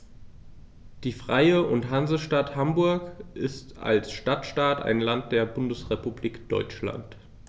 Die Freie und Hansestadt Hamburg ist als Stadtstaat ein Land der Bundesrepublik Deutschland.